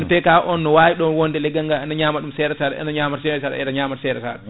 MPK o no wawi ɗon wonde leggal ngal ene ñama ɗum seeɗa san ene ñama seeɗa san ene ñama seeɗa san